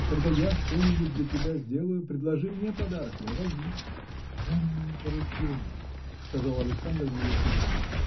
Когда я что-нибудь для тебя сделаю, предложи мне подарок: я возьму. – Странное поручение! – сказал Александр нерешительно.